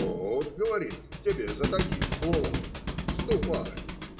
- Вот, - говорит, - тебе за такие слова. Ступай!